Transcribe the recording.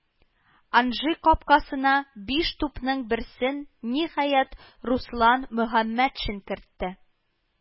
Анжи капкасына биш тупның берсен, ниһаять, Руслан Мөхәммәтшин кертте